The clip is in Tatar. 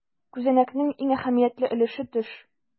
Күзәнәкнең иң әһәмиятле өлеше - төш.